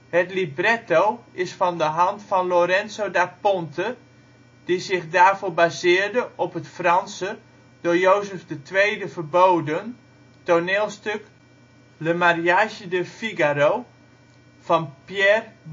Het libretto is van de hand van Lorenzo da Ponte die zich daarvoor baseerde op het Franse, door Jozef II verboden, toneelstuk ' Le mariage de Figaro ' van Pierre